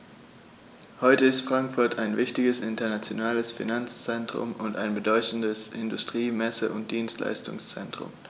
Heute ist Frankfurt ein wichtiges, internationales Finanzzentrum und ein bedeutendes Industrie-, Messe- und Dienstleistungszentrum.